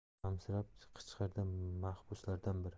yig'lamsirab qichqirdi mahbuslardan biri